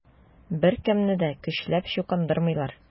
Беркемне дә көчләп чукындырмыйлар.